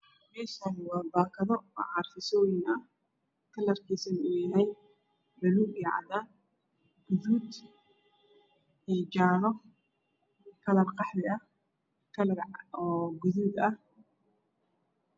Meeshaan waa baakado oo carfisooyin ah kalarkiisun uu yahay buluug iyo cadaan. Gaduud iyo jaalo iyo qaxwi iyo gaduud.